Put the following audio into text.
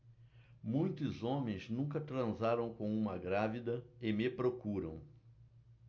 muitos homens nunca transaram com uma grávida e me procuram